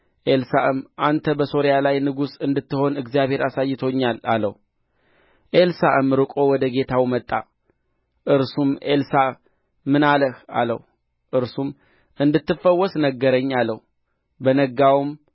ኤልሳዕም አንተ በሶርያ ላይ ንጉሥ እንድትሆን እግዚአብሔር አሳይቶኛል አለው ከኤልሳዕም ርቆ ወደ ጌታው መጣ እርሱም ኤልሳዕ ምን አለህ አለው እርሱም እንድትፈወስ ነገረኝ አለው በነጋውም